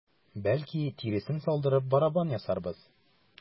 Бәлки, тиресен салдырып, барабан ясарбыз?